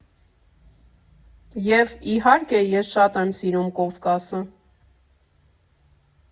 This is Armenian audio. Եվ, իհարկե, ես շատ եմ սիրում Կովկասը։